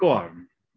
Go on!